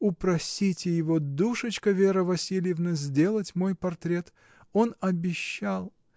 Упросите его, душечка Вера Васильевна, сделать мой портрет — он обещал.